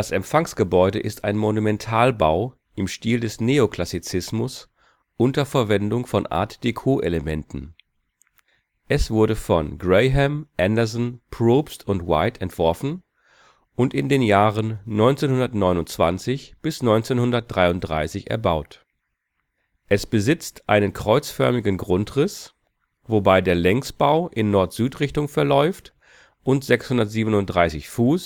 Empfangsgebäude ist ein Monumentalbau im Stil des Neoklassizismus unter Verwendung von Art-Déco-Elementen. Es wurde von Graham, Anderson, Probst & White entworfen und in den Jahren 1929 bis 1933 erbaut. Es besitzt einen kreuzförmigen Grundriss, wobei der Längsbau in Nord-Süd-Richtung verläuft und 637 Fuß